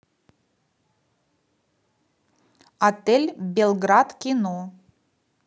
отель белград кино